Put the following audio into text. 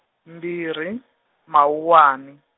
mbirhi, Mawuwani.